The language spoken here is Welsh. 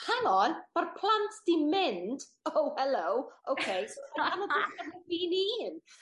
hang on ma'r plant 'di mynd o helo oce